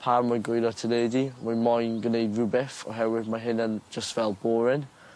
pam wy'n gwylio teledu? Rwy moyn gneud rwbeth oherwydd ma' hyn yn jyst fel boring.